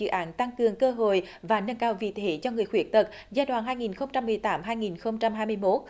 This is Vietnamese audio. dự án tăng cường cơ hội và nâng cao vị thế cho người khuyết tật giai đoạn hai nghìn không trăm mười tám hai nghìn không trăm hai mươi mốt